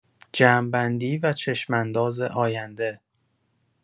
جمع‌بندی و چشم‌انداز آینده